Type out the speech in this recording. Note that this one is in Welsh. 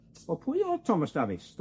Wel pwy o'dd Thomas Davis?